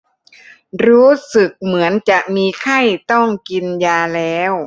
รู้สึกเหมือนจะมีไข้ต้องกินยาแล้ว